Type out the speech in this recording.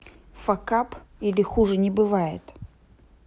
факап или хуже не бывает